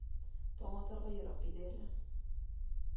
Таң атарга ерак иде әле